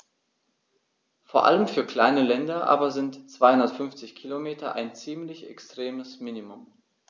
Vor allem für kleine Länder aber sind 250 Kilometer ein ziemlich extremes Minimum.